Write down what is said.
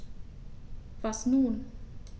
Was nun?